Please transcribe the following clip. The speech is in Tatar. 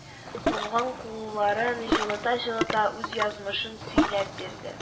Туңган кулларын җылыта-җылыта үз язмышын сөйләп бирде